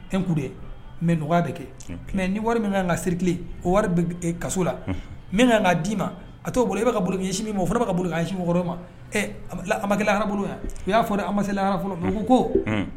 Un coup dɛ mais nɔgɔya bɛ kɛ ok mais ni wari min kan kan circuler o wari b b ɛɛ kaso la min kan k'a d'i ma a t'o bolo e bɛ ka boli k'i ɲɛsin min ma o fɛnɛ bɛ ka boli k'a ɲɛsin mɔgɔwɛrɛw ma ɛ a ma kɛ la a ma kɛ lahara u y'a fɔ dɛ an ma se lahara fɔlɔ unn mais u ko koo unhunƝ